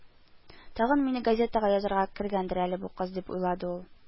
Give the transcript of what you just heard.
«тагын мине газетага язарга кергәндер әле бу кыз, дип уйлады ул